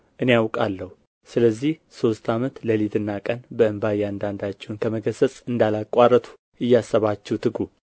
እኔ አውቃለሁ ስለዚህ ሦስት ዓመት ሌሊትና ቀን በእንባ እያንዳንዳችሁን ከመገሠጽ እንዳላቋረጥሁ እያሰባችሁ ትጉ